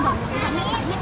cao